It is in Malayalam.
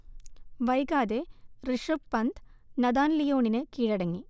വൈകാതെ ഋഷഭ് പന്ത് നഥാൻ ലിയോണിന് കീഴടങ്ങി